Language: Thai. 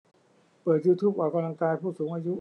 เปิดยูทูปออกกำลังกายผู้สูงอายุ